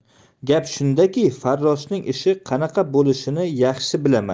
gap shundaki farroshning ishi qanaqa bo'lishini yaxshi bilaman